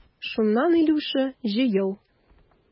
Шуннан, Илюша, җыел.